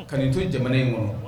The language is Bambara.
Ka nin to jamana in kɔnɔ